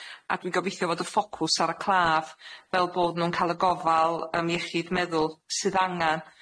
A dwi'n gobeithio fod y ffocws ar y claf fel bod nw'n ca'l y gofal yym iechyd meddwl sydd angan.